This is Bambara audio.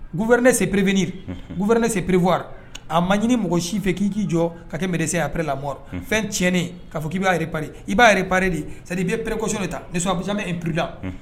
G buupɛ sepereperi guɛ se perepfwari a ma ɲini mɔgɔ si fɛ k'i k'i jɔ ka kɛ meresɛnya perel la fɛn tiɲɛnin kaa k'i b'arepri i b'a yɛrɛpre de sadi i bɛ peresɔ ta nisupsame ppd